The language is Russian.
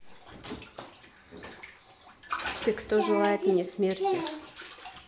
ты кто желает мне смерти